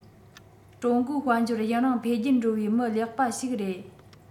ཀྲུང གོའི དཔལ འབྱོར ཡུན རིང འཕེལ རྒྱས འགྲོ བའི མི ལེགས པ ཞིག རེད